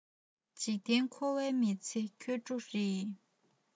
འཇིག རྟེན འཁོར བའི མི ཚེ འཁྱོལ འགྲོ རེད